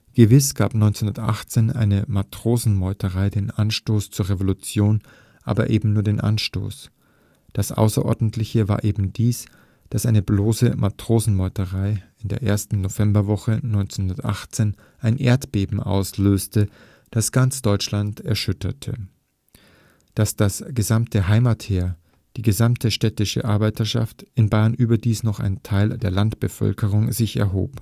Gewiß gab 1918 eine Matrosenmeuterei den Anstoß zur Revolution, aber eben nur den Anstoß. Das Außerordentliche war eben dies: daß eine bloße Matrosenmeuterei in der ersten Novemberwoche 1918 ein Erdbeben auslöste, das ganz Deutschland erschütterte; daß das gesamte Heimatheer, die gesamte städtische Arbeiterschaft, in Bayern überdies noch ein Teil der Landbevölkerung sich erhob